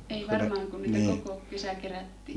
ei varmaan kun niitä koko kesä kerättiin